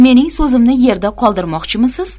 mening so'zimni yerda qoldirmoqchimisiz